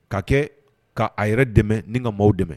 Ka kɛ k'a yɛrɛ dɛmɛ ni ka maaw dɛmɛ